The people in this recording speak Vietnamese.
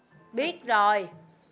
biết rồi